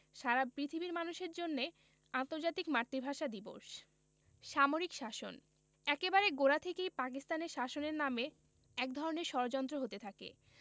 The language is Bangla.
সারা পৃথিবীর মানুষের জন্যে আন্তর্জাতিক মাতৃভাষা দিবস সামরিক শাসন একেবারে গোড়া থেকেই পাকিস্তানে শাসনের নামে এক ধরনের ষড়যন্ত্র হতে থাকে